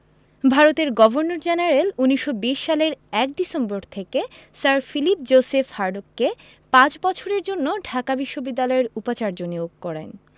ভারতের governor general ১৯২০ সালের ১ December থেকে স্যার ফিলিপ জোসেফ হার্টগকে পাঁচ বছরের জন্য ঢাকা বিশ্ববিদ্যালয়ের উপাচার্য নিয়োগ করেন